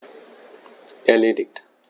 Erledigt.